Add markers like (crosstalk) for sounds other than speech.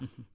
(hesitation) (hesitation)